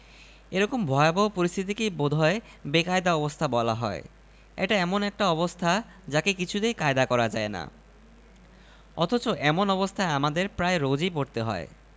বিশাল কলসি পানিতে কনািয় কানায় ভরা নাচের তালে তালে ছলকে ছলকে পানি পড়ছে রিয়েলিস্টিক টাচ্ দেবার একটা মফস্বলী প্রচেষ্টা